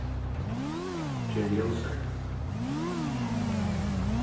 ger ljósari